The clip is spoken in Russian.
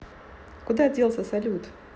куда делся салют